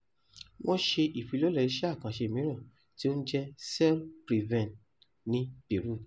Wọ́n ṣe ìfilọ́lẹ̀ iṣẹ́ àkànṣe mìíràn tí ó ń jẹ́ Cell-PREVEN ní Peru.